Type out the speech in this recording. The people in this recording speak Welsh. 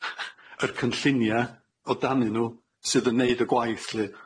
Yr cynllunia o danu nhw sydd yn neud y gwaith 'lly?